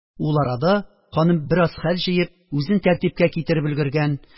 Ул арада ханым бераз хәл җыеп, үзен тәртипкә китереп өлгергән